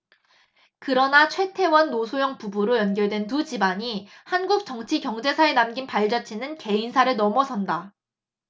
그러나 최태원 노소영 부부로 연결된 두 집안이 한국 정치 경제사에 남긴 발자취는 개인사를 넘어선다